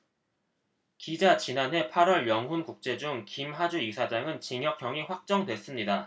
기자 지난해 팔 월 영훈국제중 김하주 이사장은 징역형이 확정됐습니다